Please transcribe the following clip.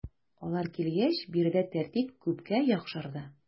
Алар килгәч биредә тәртип күпкә яхшырды.